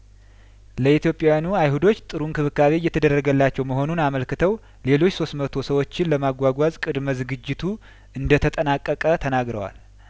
ለኢትዮጵያውያኑ አይሁዶች ጥሩ እንክብካቤ እየተደረገላቸው መሆኑን አመልክተው ሌሎች ሶስት መቶ ሰዎችን ለማጓጓዝ ቅድመ ዝግጅቱ እንደተጠናቀቀ ተናግረዋል